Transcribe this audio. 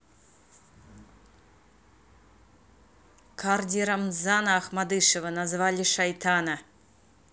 cardi рамзана ахмадышева назвали шайтана